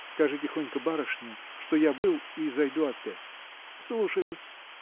– Скажи тихонько барышне, что я был и зайду опять. – Слушаю-с.